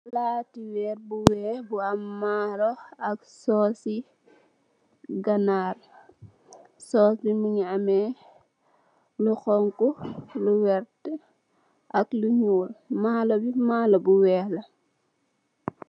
Palatti werr bou weck bou am mallo ak sourci ganar source bi mougui ammeh lou konku ak lou werrta ak lou nyull malo bi malo bou weck la.